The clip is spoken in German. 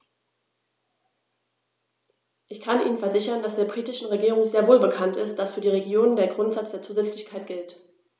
Ich kann Ihnen versichern, dass der britischen Regierung sehr wohl bekannt ist, dass für die Regionen der Grundsatz der Zusätzlichkeit gilt.